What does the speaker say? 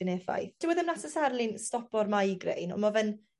un effaith, dyw e ddim neccesarily'n stopo'r migraine on' my' fe'n